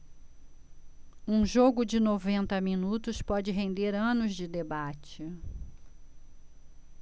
um jogo de noventa minutos pode render anos de debate